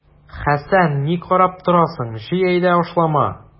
Хәсән, ни карап торасың, җый әйдә ашлама!